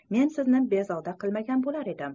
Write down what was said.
men sizni bezovta qilmagan bo'lur edim